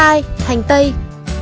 hai hành tây